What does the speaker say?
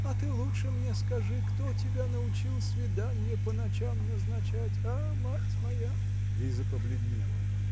А ты лучше мне скажи, кто тебя научил свидания по ночам назначать, а, мать моя? Лиза побледнела.